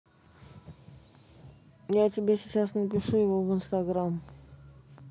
я тебя сейчас напишу его в инстаграм